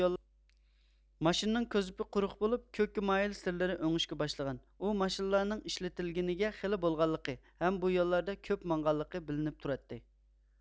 ماشىنىنىڭ كوزۇپى قۇرۇق بولۇپ كۆككە مايىل سىرلىرى ئۆڭۈشكە باشلىغان ئۇ ماشىنىلارنىڭ ئىشلىتىلگىنىگە خېلى بولغانلىقى ھەم بۇ يوللاردا كۆپ ماڭغانلىقى بىلىنىپ تۇراتتى